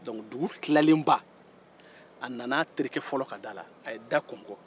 donke dugu tilalenba a nan'a terikɛ fɔlɔ ka da la a ye da kɔkɔ